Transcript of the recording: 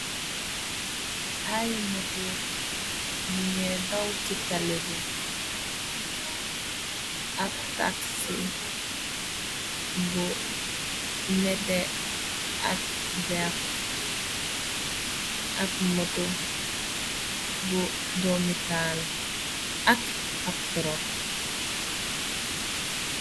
ay moto nu ngay daw ci tali bi ab taxi bu nete ak veert ab mëto bu domital ak ab trook